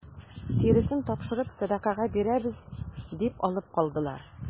Тиресен тапшырып сәдакага бирәбез дип алып калдылар.